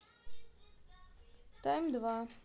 тайм два